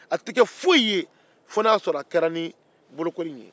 a tɛ kɛ foyi ye fo na sɔrɔ a kɛra ni bolokoli in ye